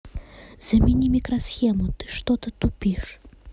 замени микросхему ты что то тупишь